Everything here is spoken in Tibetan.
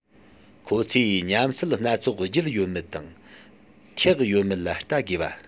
ཁོང ཚོས ཉམས སད སྣ ཚོགས བརྒྱུད ཡོད མེད དང ཐེག ཡོད མེད ལ བལྟ དགོས པ